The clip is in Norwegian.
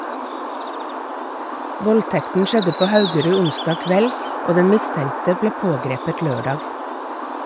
Voldtekten skjedde på Haugerud onsdag kveld, og den mistenkte ble pågrepet lørdag.